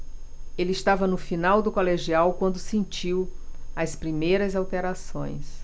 ele estava no final do colegial quando sentiu as primeiras alterações